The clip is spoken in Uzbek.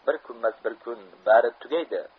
bir kunmas bir kun bari tugaydi